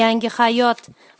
yangi hayot